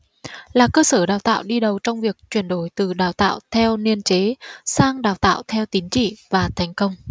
là cơ sở đào tạo đi đầu trong việc chuyển đổi từ đào tạo theo niên chế sang đào tạo theo tín chỉ và thành công